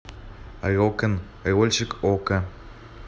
рок н рольщик окко